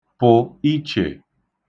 pụ̀ ichè